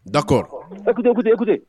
Dakɔ e ko kote e kodi